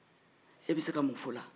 e bi se ka mun fɔ o la